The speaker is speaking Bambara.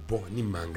Bɔ ni mankanka